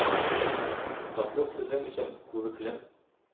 Татлы сүзең өчен, күреклем!